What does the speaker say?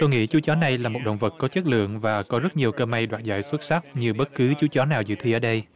tôi nghĩ chú chó này là một động vật có chất lượng và có rất nhiều cơ may đoạt giải xuất sắc như bất cứ chú chó nào dự thi ở đây